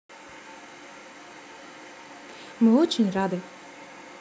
мы очень рады